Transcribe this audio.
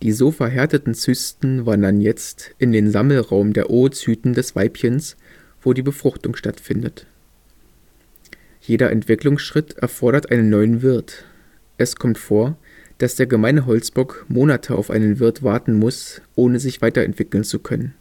so verhärteten Zysten wandern jetzt in den Sammelraum der Oocyten des Weibchens, wo die Befruchtung stattfindet. Jeder Entwicklungsschritt erfordert einen neuen Wirt. Es kommt vor, dass der Gemeine Holzbock Monate auf einen Wirt warten muss, ohne sich weiterentwickeln zu können